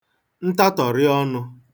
ntatọ̀rị ọnụ̄